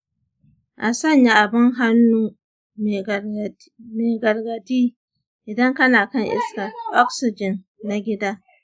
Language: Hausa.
a sanya abin hannu mai gargadi idan kana kan iskar oxygen na gida.